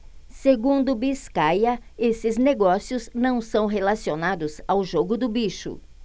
segundo biscaia esses negócios não são relacionados ao jogo do bicho